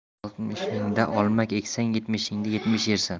oltmishingda olma eksang yetmishingda yemishin yersan